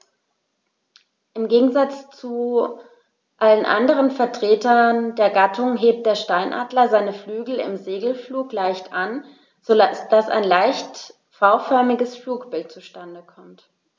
Im Gegensatz zu allen anderen Vertretern der Gattung hebt der Steinadler seine Flügel im Segelflug leicht an, so dass ein leicht V-förmiges Flugbild zustande kommt.